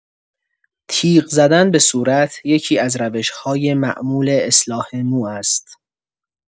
تیغ زدن به صورت یکی‌از روش‌های معمول اصلاح مو است.